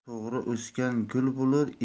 to'g'ri o'sgan gul bo'lar